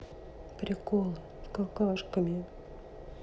приколы с какашками